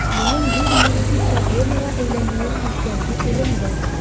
Моның бик җитди проблемага әйләнүен искәртү урынлы.